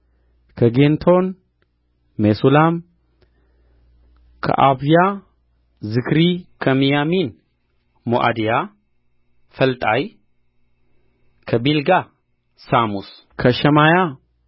ከጌንቶን ሜሱላም ከአብያ ዚክሪ ከሚያሚን ሞዓድያ ፈልጣይ ከቢልጋ ሳሙስ ከሸማያ